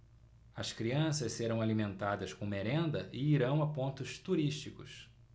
as crianças serão alimentadas com merenda e irão a pontos turísticos